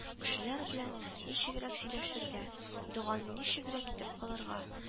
Кешеләр белән ничегрәк сөйләшергә, доганы ничегрәк итеп кылырга